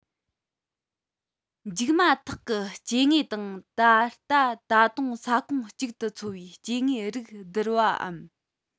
འཇིག མ ཐག གི སྐྱེ དངོས དང ད ལྟ ད དུང ས ཁོངས གཅིག ཏུ འཚོ བའི སྐྱེ དངོས རིགས བསྡུར བའམ